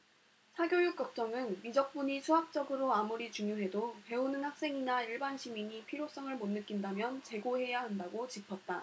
사교육걱정은 미적분이 수학적으로 아무리 중요해도 배우는 학생이나 일반 시민이 필요성을 못 느낀다면 재고해야 한다고 짚었다